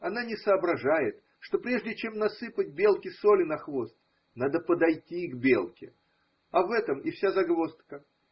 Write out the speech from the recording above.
Она не соображает, что прежде чем насыпать белке соли на хвост, надо подойти к белке, а в этом и вся загвоздка.